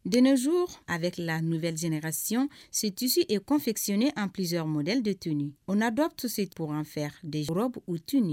Denizo a bɛ tila nu vde kasiy situsie2sien an pz mɔd de tun o na dɔw to sekfɛ de yɔrɔ uu tun